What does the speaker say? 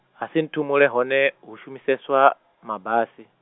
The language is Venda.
Hasinthumule hone hu shumiseswa, mabasi.